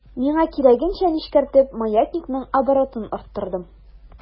Миңа кирәгенчә нечкәртеп, маятникның оборотын арттырдым.